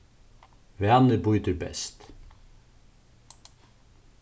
vani bítur best